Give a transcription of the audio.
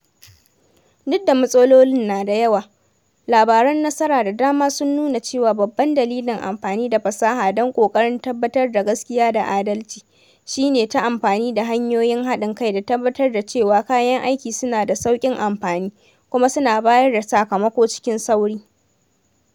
Duk da matsalolin nada yawa, labaran nasara da dama sun nuna cewa babban dalilin amfani da fasaha don ƙoƙarin tabbatar da gaskiya da adalci, shine ta amfani da hanyoyin haɗin kai da tabbatar da cewa kayan aiki suna da sauƙin amfani, kuma suna bayar da sakamako cikin sauri.